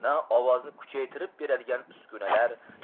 na ovozni kuchaytirib beradigan uskunalar